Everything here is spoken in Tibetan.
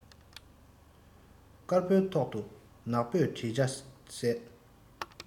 དཀར པོའི ཐོག ཏུ ནག པོའི བྲིས ཆ གསལ